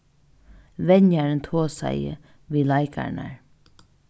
venjarin tosaði við leikararnar